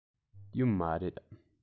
ཡོད མ རེད